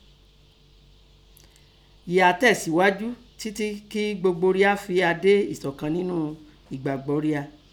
Yèé á tẹ̀síáju titi kí gbogbo ria fín a dé ìsọ̀kàn ńnu ẹ̀gbagbọ́ ria